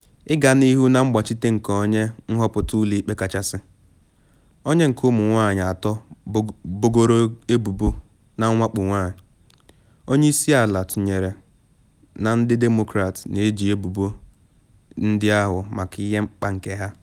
Ịga n’ihu na mgbachite nke onye nhọpụta Ụlọ Ikpe Kachasị, onye nke ụmụ nwanyị atọ bogoro ebubo nke nwakpo nwanyị, onye isi ala tụnyere na ndị Demokrat na eji ebubo ndị ahụ maka ihe mkpa nke ha.